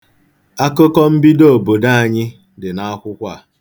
Akụkọ mbido obodo anyị dị n'akwụkwọ a.